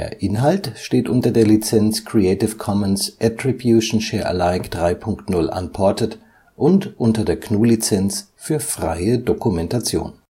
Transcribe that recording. Inhalt steht unter der Lizenz Creative Commons Attribution Share Alike 3 Punkt 0 Unported und unter der GNU Lizenz für freie Dokumentation